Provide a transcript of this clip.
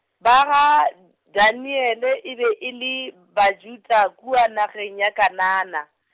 ba ga Daniele e be e le, Bajuda kua nageng ya Kanana.